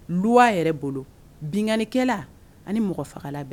Luwa yɛrɛ bolo binganikɛla ani mɔgɔfagala bɛ